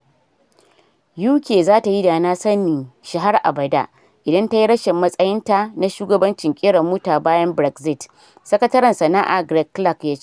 UK “zata yi da na sanin shi har abada” idan tayi rashin matsayin ta na shugabancin kera mota bayan Brexit, Sakataren Sana’a Greg Clark yace.